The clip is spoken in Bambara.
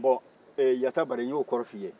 bon yatabare n y'o kɔrɔ f'i ye